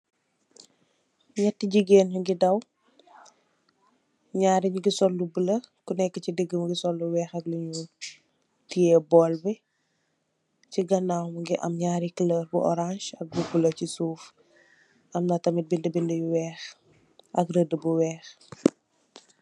Neeti jigeen nyugi daw naari nyugi sol lu bulu kuneka si dige ni mongi sol lu weex ak lu nuul tiye baal bi si kanaw mongi am naari culur bu orance ak bu bulu si suuf amna tamit binda binda bu weex ak reda bu weex.